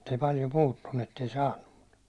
mutta ei paljon puuttunut että ei saanut mutta